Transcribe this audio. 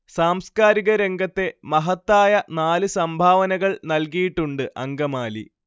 സാംസ്കാരിക രംഗത്തെ മഹത്തായ നാല് സംഭാവനകൾ നൽകിയിട്ടുണ്ട് അങ്കമാലി